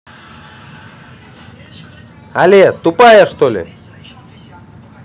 але тупая что ли